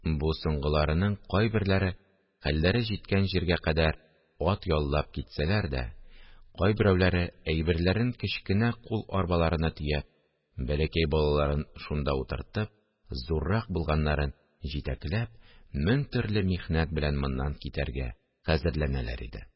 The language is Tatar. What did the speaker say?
Бу соңгыларының кайберләре хәлләре җиткән җиргә кадәр ат яллап китсәләр дә, кайберәүләре әйберләрен кечкенә кул арбаларына төяп, бәләкәй балаларын шунда утыртып, зуррак булганнарын җитәкләп, мең төрле михнәт белән моннан китәргә хәзерләнәләр иде